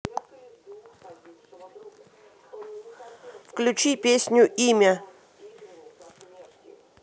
включи песню имя